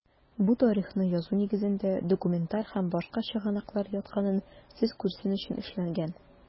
Бу тарихны язу нигезенә документаль һәм башка чыгынаклыр ятканын сез күрсен өчен эшләнгән.